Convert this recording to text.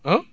ah